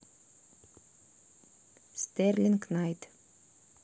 стерлинг найт